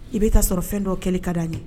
I be ka sɔrɔ fɛn dɔ kɛ li ka di ye.